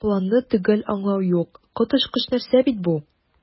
"планны төгәл аңлау юк, коточкыч нәрсә бит бу!"